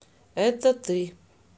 это ты